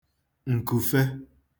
ǹkùfe